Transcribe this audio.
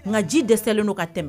Nka ji dɛsɛ selenlen' ka tɛmɛ